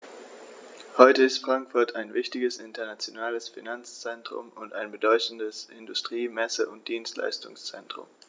Heute ist Frankfurt ein wichtiges, internationales Finanzzentrum und ein bedeutendes Industrie-, Messe- und Dienstleistungszentrum.